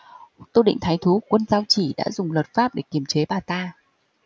tô định thái thú của quân giao chỉ đã dùng luật pháp để kiềm chế bà ta